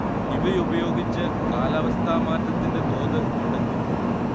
ഇവയുപയോഗിച്ച് കാലാവസ്ഥാ മാറ്റത്തിന്റെ തോത് കണ്ടെത്തുന്നു